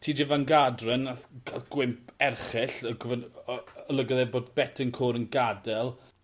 Tejay van Garderen nath g- gwymp erchyll yy gofyn- o- o- o- olygodd e bod Betancur yn gadel.